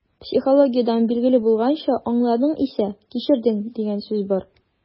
Психологиядән билгеле булганча, «аңладың исә - кичердең» дигән сүз бар.